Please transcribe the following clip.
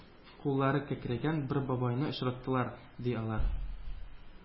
Куллары кәкрәйгән бер бабайны очраттылар, ди, алар.